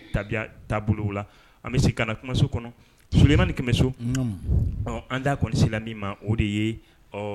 Tabiya taabolo la an bɛ se kana kumaso kɔnɔ somani ni kɛmɛ so ɔ an t'a kɔnisi min ma o de ye